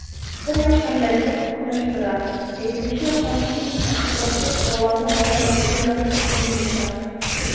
Бер яктан, дәресләр куркыныч тудыра, ә икенче яктан - физик активлыксыз балаларның сәламәтлеген яхшыртып булмаячак.